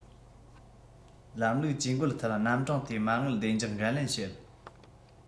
ལམ ལུགས ཇུས འགོད ཐད རྣམ གྲངས དེའི མ དངུལ བདེ འཇགས འགན ལེན བྱེད